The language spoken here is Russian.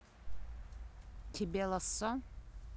тебе лассо